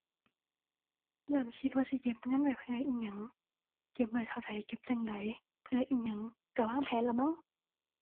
เริ่มคิดว่าสิเก็บเงินไว้เพื่ออิหยัง เก็บไว้เท่าใด เก็บจั่งใด เพื่ออิหยัง ก็วางแผนละมั้ง